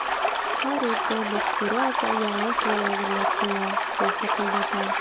Һәр иртә Мәгъфүрә апа аңа шулай әзерләп куя, кофе кайната.